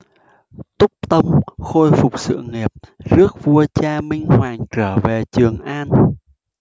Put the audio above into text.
túc tông khôi phục sự nghiệp rước vua cha minh hoàng trở về trường an